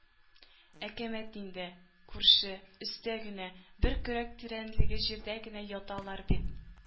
Әкәмәт инде, күрше, өстә генә, бер көрәк тирәнлеге җирдә генә яталар бит.